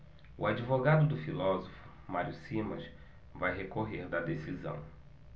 o advogado do filósofo mário simas vai recorrer da decisão